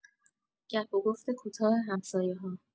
گپ و گفت کوتاه همسایه‌ها